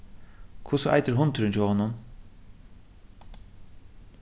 hvussu eitur hundurin hjá honum